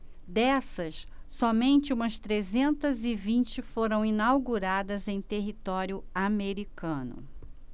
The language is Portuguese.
dessas somente umas trezentas e vinte foram inauguradas em território americano